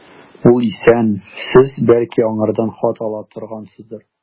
Ул исән, сез, бәлки, аңардан хат ала торгансыздыр.